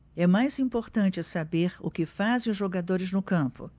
é mais importante saber o que fazem os jogadores no campo